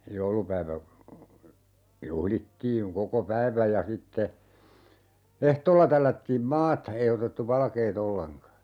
joulupäivä juhlittiin koko päivän ja sitten ehtoolla tällättiin maata ei otettu valkeaa ollenkaan